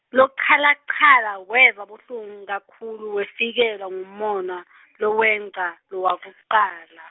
Lochalachala weva buhlungu kakhulu wefikelwa ngumona , lowengca, lowakucala.